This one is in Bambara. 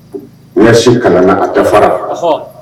U bɛ su kana na a tɛ fara